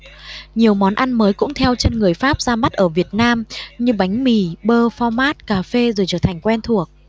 nhiều món ăn mới cũng theo chân người pháp ra mắt ở việt nam như bánh mì bơ phó mát cà phê rồi trở thành quen thuộc